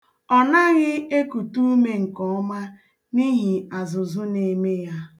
Ọ naghị ekute ume nkeọma nihi azụzụ na-eme ya..